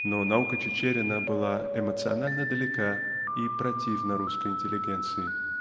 Но наука Чичерина была эмоционально далека и противна русской интеллигенции